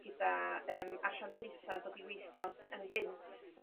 gyda yym asiantaetha' dod i withio ng- ynghynt